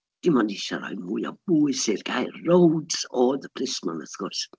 Dim ond isio rhoi mwy o bwys i'r gair roads oedd y plismon, wrth gwrs.